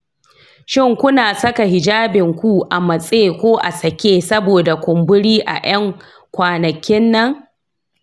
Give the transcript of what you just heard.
shin ku na saka hijabinku a matse ko a sake saboda kumburi a ƴan kwanakin nan?